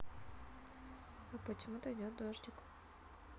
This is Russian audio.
а почему то идет дождик